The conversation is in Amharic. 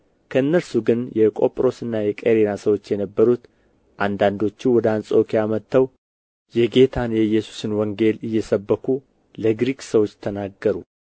ከእነርሱ ግን የቆጵሮስና የቀሬና ሰዎች የነበሩት አንዳንዶቹ ወደ አንጾኪያ መጥተው የጌታን የኢየሱስን ወንጌል እየሰበኩ ለግሪክ ሰዎች ተናገሩ